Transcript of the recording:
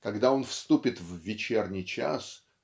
когда он вступит в вечерний час